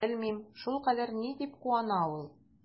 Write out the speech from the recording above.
Белмим, шулкадәр ни дип куана ул?